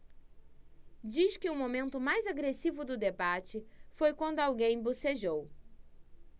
diz que o momento mais agressivo do debate foi quando alguém bocejou